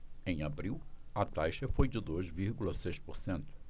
em abril a taxa foi de dois vírgula seis por cento